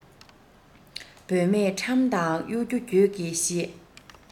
བུད མེད ཁྲམ དང གཡོ སྒྱུ གྱོད ཀྱི གཞི